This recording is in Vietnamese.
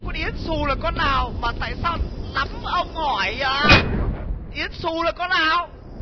con yến xù là con nào mà tại sao lắm ông hỏi ạ yến xù là con nào